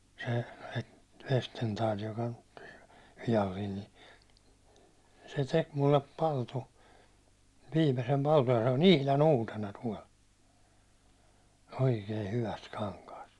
se Vestendal joka nyt viallinen niin se teki minulle palttoon viimeisen palttoon ja se on ihan uutena tuolla oikein hyvästä kankaasta